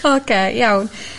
Oce iawn.